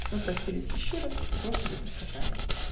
Мы простились еще раз, и лошади поскакали.